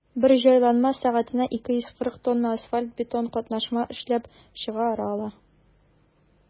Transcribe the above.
Бер җайланма сәгатенә 240 тонна асфальт–бетон катнашма эшләп чыгара ала.